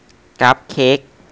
กราฟเค้ก